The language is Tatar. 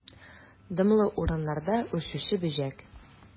Дымлы урыннарда үрчүче бөҗәк.